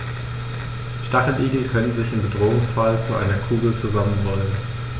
Stacheligel können sich im Bedrohungsfall zu einer Kugel zusammenrollen.